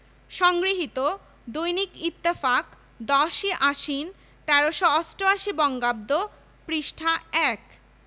সংগৃহীত দৈনিক ইত্তেফাক ১০ই আশ্বিন ১৩৮৮ বঙ্গাব্দ পৃষ্ঠা ১